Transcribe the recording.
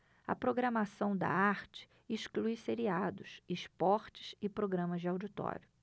a programação da arte exclui seriados esportes e programas de auditório